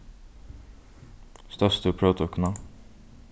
stóðst tú próvtøkuna